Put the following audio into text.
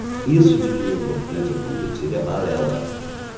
isso de que o importante é competir é balela